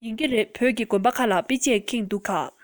ཡིན གྱི རེད བོད ཀྱི དགོན པ ཁག ལ དཔེ ཆས ཁེངས འདུག ག